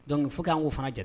Dɔnkuc fo k'an'o fana jate